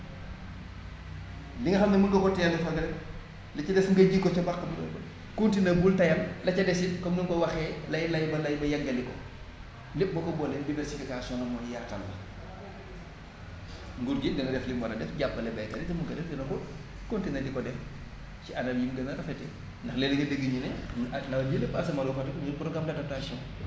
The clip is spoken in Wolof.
li nga xam ne mën nga ko teel a faru rekk li ci des nga bay ko ca bàq bu tooy ba continué bul tayal la ca des it comme ni mu ko waxee lay lay ba lay ba yeggali ko lépp boo ko boolee diversifation la mooy yaatal nguur gi dana def li mu war a def jàppale baykat yi te mu ngi koy def dina ko continué di ko def ci anam yi mu gën a rafetee ndax léeg-léeg nga dégg ñu ne ah nawet yële passé Maodo Fatick ñu ngi programme d' adaptation